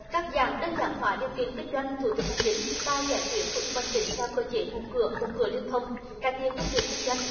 cắt giảm đơn giản hóa điều kiện kinh doanh thủ tục hành chính và giải quyết thủ tục hành trình theo cơ chế một cửa một cửa liên thông cải thiện môi trường kinh doanh